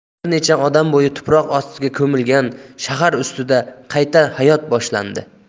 bir necha odam bo'yi tuproq ostiga ko'milgan shaharustida qayta hayot boshlandi